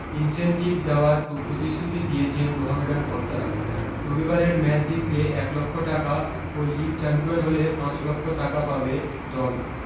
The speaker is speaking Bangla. ইন্সেন্টিভ দেওয়ার প্রতিশ্রুতি দিয়েছেন মোহামেডান কর্তারা রবিবারের ম্যাচ জিতলে এক লক্ষ টাকা ও লিগ চ্যাম্পিয়ন হলে পাঁচ লক্ষ টাকা পাবে দল